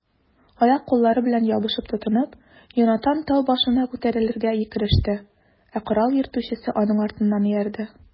Аяк-куллары белән ябышып-тотынып, Йонатан тау башына күтәрелергә кереште, ә корал йөртүчесе аның артыннан иярде.